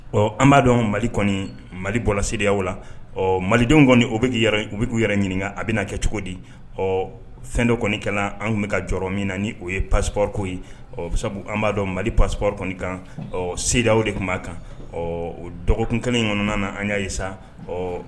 Ɔ an b'a dɔn an mali kɔni mali bɔra seerew la ɔ malidenw kɔniɔni o u bɛ k' yɛrɛ ɲini a bɛna kɛ cogo di ɔ fɛn dɔ kɔni kalan an tun bɛ ka jɔ min na ni o ye pasipriko ye ɔ sabu an b'a dɔn mali paspri kɔni kan sew de tun b'a kan ɔ o dɔgɔkun kelen kɔnɔna na an ka ye sa ɔ